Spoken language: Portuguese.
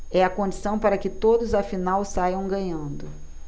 é a condição para que todos afinal saiam ganhando